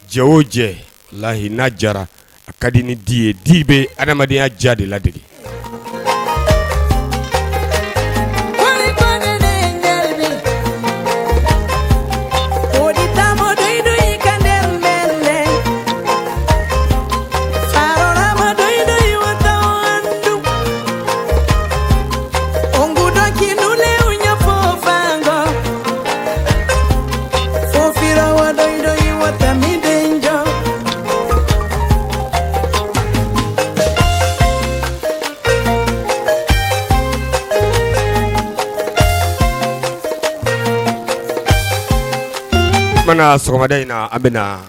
Ja o jɛ lahiina jara a ka di ni di ye di bɛ adamadenya ja de lade in lekundakilen ye wa bamananda in na a bɛna